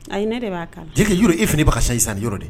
Ayyi, ne de b'a kalan. Yɔrɔ, yɔrɔ e fana bɛ ka changer sisan dɛ yɔrɔ dɛ.